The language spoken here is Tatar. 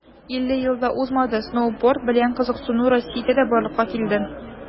50 ел да узмады, сноуборд белән кызыксыну россиядә дә барлыкка килде.